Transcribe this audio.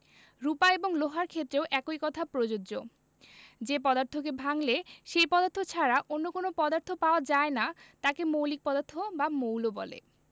রুপা এবং লোহার ক্ষেত্রেও একই কথা প্রযোজ্য যে পদার্থকে ভাঙলে সেই পদার্থ ছাড়া অন্য কোনো পদার্থ পাওয়া যায় না তাকে মৌলিক পদার্থ বা মৌল বলে